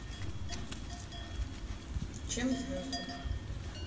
чем звезды